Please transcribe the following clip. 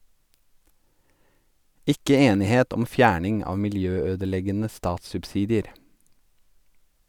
Ikke enighet om fjerning av miljø-ødeleggende statssubsidier.